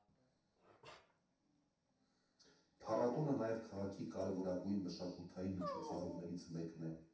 Փառատոնը նաև քաղաքի կարևորագույն մշակութային միջոցառումներից մեկն է։